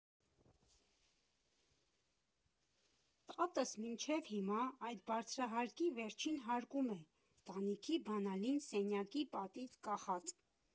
Տատս մինչև հիմա այդ բարձրահարկի վերջին հարկում է՝ տանիքի բանալին սենյակի պատից կախած։